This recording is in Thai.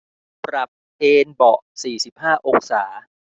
ปรับเอนเบาะสี่สิบห้าองศา